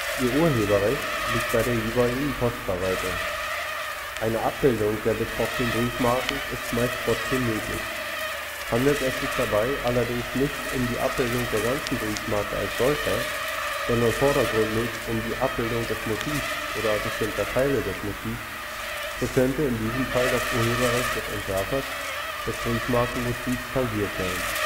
Ihr Urheberrecht liegt bei der jeweiligen Postverwaltung. Eine Abbildung der betroffenen Briefmarken ist meist trotzdem möglich. Handelt es sich dabei allerdings nicht um die Abbildung der ganzen Briefmarke als solcher, sondern vordergründig um die Abbildung des Motivs oder bestimmter Teile des Motivs, so könnte in diesem Falle das Urheberrecht des Entwerfers des Briefmarkenmotivs tangiert sein